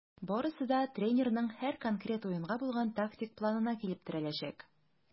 Барысы да тренерның һәр конкрет уенга булган тактик планына килеп терәләчәк.